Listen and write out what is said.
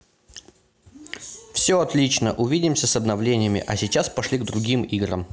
все отлично увидимся с обновлением а сейчас пошли к другим играм